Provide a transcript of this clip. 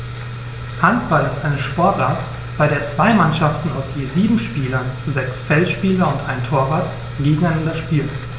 Handball ist eine Sportart, bei der zwei Mannschaften aus je sieben Spielern (sechs Feldspieler und ein Torwart) gegeneinander spielen.